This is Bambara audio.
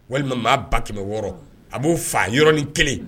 Walima maa 600 000 a b'o faa yɔrɔnin kelen